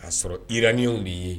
K'a sɔrɔ iraniw de ye